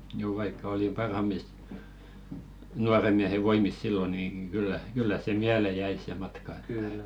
juu vaikka oli parhaammissa nuorenmiehen voimissa silloin niin kyllä kyllä se mieleen jäi se matka että